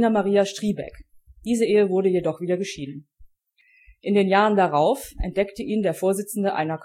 Maria Striebeck; diese Ehe wurde jedoch wieder geschieden. In den Jahren darauf entdeckte ihn der Vorsitzende einer